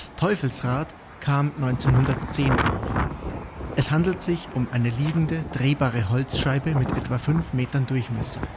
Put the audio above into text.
Teufelsrad kam 1910 auf. Es handelt sich um eine liegende, drehbare Holzscheibe mit etwa fünf Metern Durchmesser